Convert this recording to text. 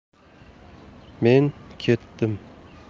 men ketdim